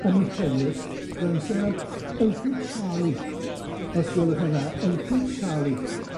am 'i hewyrth, fyddai'n sôn am Uncle Charlie, os gwelwch yn dda, Uncle Charlie.